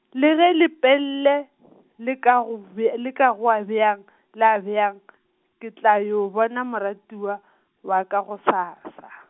le ge Lepelle, le ka go bj-, le ka goa bjang , la bjang , ke tla yo bona moratiwa, wa ka gosasa.